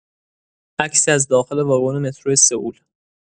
عکسی از داخل واگن مترو سئول.